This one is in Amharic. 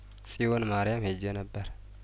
ጺዮን ማሪያም ሄጄ ነበር